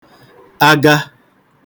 aga